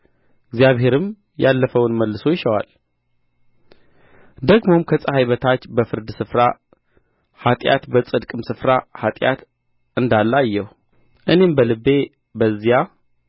እግዚአብሔርም ያለፈውን መልሶ ይሻዋል ደግሞም ከፀሐይ በታች በፍርድ ስፍራ ኃጢአት በጽድቅም ስፍራ ኃጢአት እንዳለ አየሁ እኔም በልቤ በዚያ